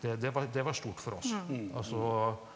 det det var det var stort for oss altså.